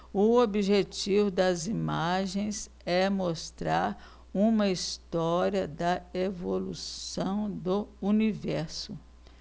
o objetivo das imagens é mostrar uma história da evolução do universo